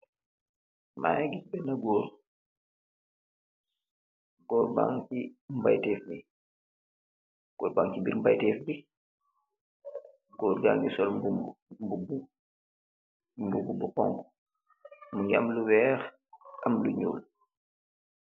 Maangi gis beenë góor, Goor baang ci biir mbëyteef bi. Goor gaa ngi sol mbubu bu xoñgu, mungi am lu weex, am lu ñuul.